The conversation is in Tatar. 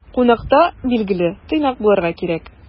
Кунакта, билгеле, тыйнак булырга кирәк.